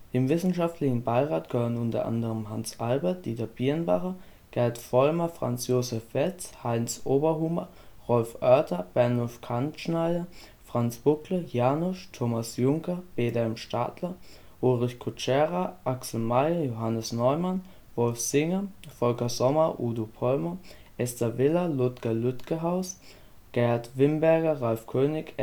Dem Wissenschaftlichen Beirat gehören unter anderem Hans Albert, Dieter Birnbacher, Gerhard Vollmer, Franz Josef Wetz, Heinz Oberhummer, Rolf Oerter, Bernulf Kanitscheider, Franz Buggle, Janosch, Thomas Junker, Beda M. Stadler, Ulrich Kutschera, Axel Meyer, Johannes Neumann, Wolf Singer, Volker Sommer, Udo Pollmer, Esther Vilar, Ludger Lütkehaus, Gerhard Wimberger, Ralf König